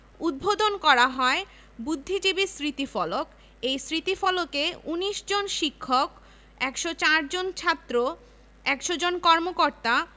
উদ্বোধন করা হয় বুদ্ধিজীবী স্মৃতিফলক এই স্থিতিফলকে ১৯ জন শিক্ষক ১০৪ জন ছাত্র ১00 জন কর্মকর্তা